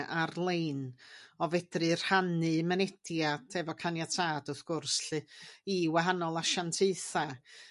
ar lein, o fedru rhannu mynediad hefo caniatâd wrth gwrs 'lly i wahanol asiantaetha'